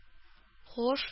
Һуш